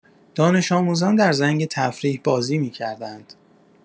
دانش‌آموزان در زنگ تفریح بازی می‌کردند.